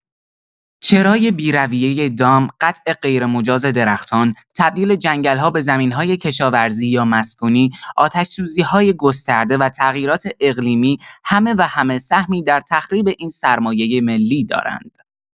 چرای بی‌رویه دام، قطع غیرمجاز درختان، تبدیل جنگل‌ها به زمین‌های کشاورزی یا مسکونی، آتش‌سوزی‌های گسترده و تغییرات اقلیمی همه و همه سهمی در تخریب این سرمایه ملی دارند.